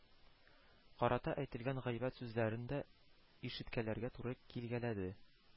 Карата әйтелгән гайбәт сүзләрен дә ишеткәләргә туры килгәләде